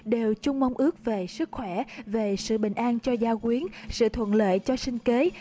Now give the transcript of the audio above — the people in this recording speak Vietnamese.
đều chung mong ước về sức khỏe về sự bình an cho gia quyến sự thuận lợi cho sinh kế